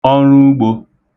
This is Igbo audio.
ọruugbō